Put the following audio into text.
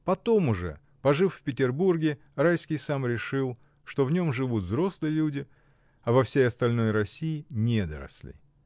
Потом уже, пожив в Петербурге, Райский сам решил, что в нем живут взрослые люди, а во всей остальной России — недоросли.